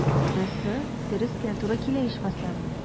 Монысы дөрескә туры килә, ичмасам.